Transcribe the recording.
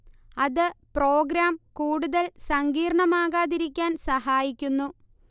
അത് പ്രോഗ്രാം കൂടുതൽ സങ്കീർണ്ണമാകാതിരിക്കാൻ സഹായിക്കുന്നു